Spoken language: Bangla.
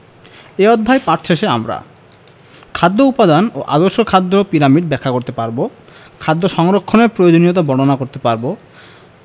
এ অধ্যায় পাঠ শেষে আমরা খাদ্য উপাদান ও আদর্শ খাদ্য পিরামিড ব্যাখ্যা করতে পারব খাদ্য সংরক্ষণের প্রয়োজনীয়তা বর্ণনা করতে পারব